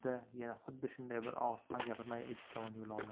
yana xuddi shunday bir og'iz ham gapirmay eshikka tomon yo'l oldi